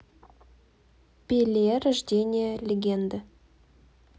пеле рождение легенды